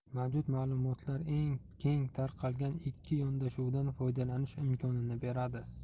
mavjud ma'lumotlar eng keng tarqalgan ikki yondashuvdan foydalanish imkonini beradi